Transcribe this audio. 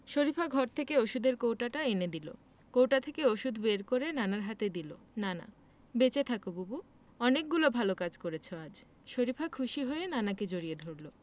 শরিফা ঘর থেকে ঔষধের কৌটোটা এনে দিল কৌটা থেকে ঔষধ বের করে নানার হাতে দিল নানা বেঁচে থাকো বুবু অনেকগুলো ভালো কাজ করেছ আজ শরিফা খুশি হয়ে নানাকে জড়িয়ে ধরল